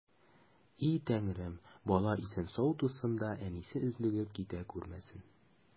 И Тәңрем, бала исән-сау тусын да, әнисе өзлегеп китә күрмәсен!